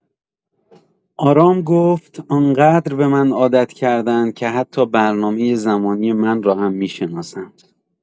آرام گفت: آن‌قدر به من عادت کرده‌اند که حتا برنامه زمانی من را هم می‌شناسند».